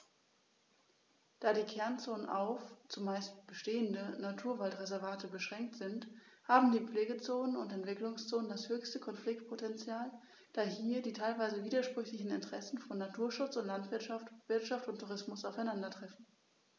Da die Kernzonen auf – zumeist bestehende – Naturwaldreservate beschränkt sind, haben die Pflegezonen und Entwicklungszonen das höchste Konfliktpotential, da hier die teilweise widersprüchlichen Interessen von Naturschutz und Landwirtschaft, Wirtschaft und Tourismus aufeinandertreffen.